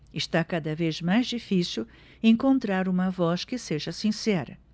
está cada vez mais difícil encontrar uma voz que seja sincera